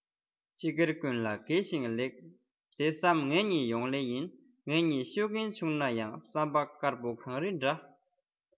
སྤྱི སྒེར ཀུན ལ དགེ ཞིང ལེགས དེ བསམ ངེད གཉིས ཡོང ལེ ཡིན ངེད གཉིས ཤོད མཁན ཆུང ན ཡང བསམ པ དཀར པོ གངས རི འདྲ